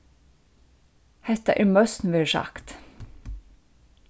hetta er møsn verður sagt